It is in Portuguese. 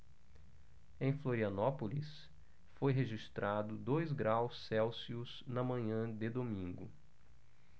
em florianópolis foi registrado dois graus celsius na manhã de domingo